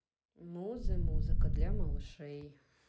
музы музыка для малышей